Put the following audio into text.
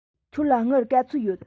ཁྱོད ལ དངུལ ག ཚོད ཡོད